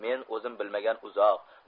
men o'zim bilmagan uzoq